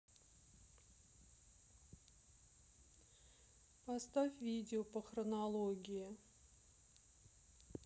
поставь видео по хронологии